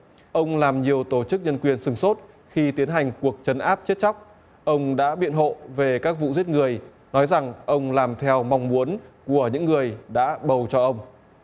ông làm nhiều tổ chức nhân quyền sửng sốt khi tiến hành cuộc trấn áp chết chóc ông đã biện hộ về các vụ giết người nói rằng ông làm theo mong muốn của những người đã bầu cho ông